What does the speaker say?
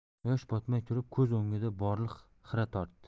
quyosh botmay turib ko'z o'ngida borliq xira tortdi